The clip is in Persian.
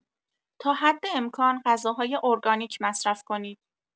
تا حد امکان غذاهای ارگانیک مصرف کنید.